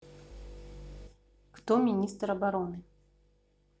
кто министр обороны